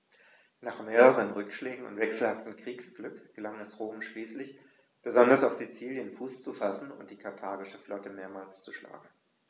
Nach mehreren Rückschlägen und wechselhaftem Kriegsglück gelang es Rom schließlich, besonders auf Sizilien Fuß zu fassen und die karthagische Flotte mehrmals zu schlagen.